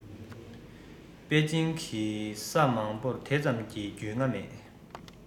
པེ ཅིང གི ས མང པོར དེ ཙམ གྱི རྒྱུས མངའ མེད